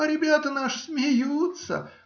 А ребята наши смеются.